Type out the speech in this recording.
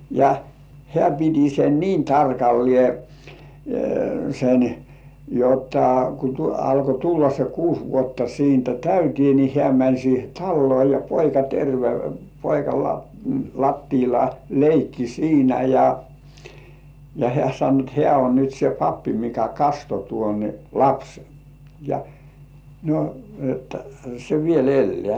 ja hän piti sen niin tarkalleen sen jotta kun alkoi tulla se kuusi vuotta siitä täyteen niin hän meni siihen taloon ja poika terve poika lattialla leikki siinä ja ja hän sanoi että hän on nyt se pappi mikä kastoi tuon lapsen ja no että se vielä elää